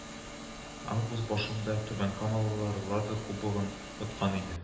Август башында түбәнкамалылар Лада кубогын откан иде